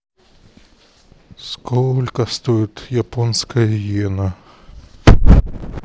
сколько стоит японская йена